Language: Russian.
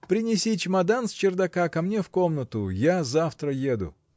— Принеси чемодан с чердака ко мне в комнату: я завтра еду!